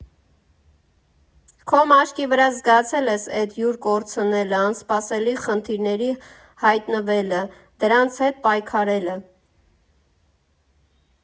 Քո մաշկի վրա զգացել ես էդ հյուր կորցնելը, անսպասելի խնդիրների հայտնվելը, դրանց հետ պայքարելը։